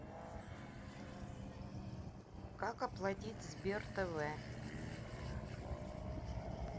как как оплатить сбер тв